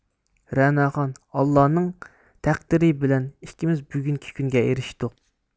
رەناخان ئاللانىڭ تەقدىرى بىلەن ئىككىمىز بۈگۈنكى كۈنگە ئېرشتۇق